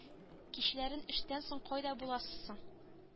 Кичләрен эштән соң кайда буласыз соң